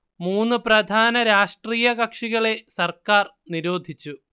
മൂന്നു പ്രധാന രാഷ്ട്രീയ കക്ഷികളെ സർക്കാർ നിരോധിച്ചു